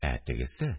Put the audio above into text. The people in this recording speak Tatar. Ә тегесе